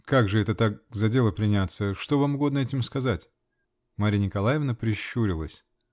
-- как же это так за дело приняться? Что вам угодно этим сказать? Марья Николаевна прищурилась.